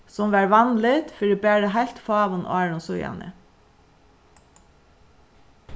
sum var vanligt fyri bara heilt fáum árum síðani